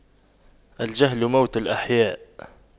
الجهل موت الأحياء